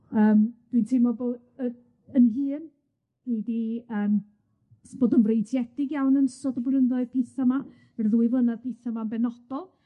Yym dwi'n teimlo bo' yy 'yn hun, dwi 'di yym bod yn freintiedig iawn yn ystod y blynyddoedd dwytha 'ma, yr ddwy flynadd dwytha 'ma'n benodol,